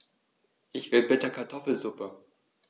Ich will bitte Kartoffelsuppe.